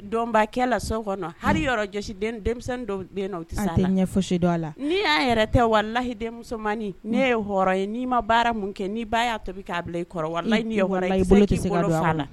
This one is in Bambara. Dɔnbakɛ la so kɔnɔ halisi denmisɛnnin dɔw tɛ sesi dɔw a la n'i y'a yɛrɛ tɛ warihi denmani ne ye hɔrɔn ye n'i ma baara mun kɛ n'i ba y'a to k'a bila i kɔrɔ a la